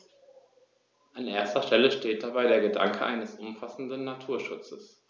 An erster Stelle steht dabei der Gedanke eines umfassenden Naturschutzes.